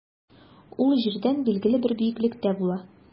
Ул җирдән билгеле бер биеклектә була.